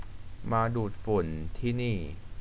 มาดูดฝุ่นที่นี่